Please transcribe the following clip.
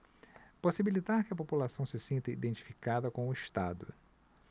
possibilitar que a população se sinta identificada com o estado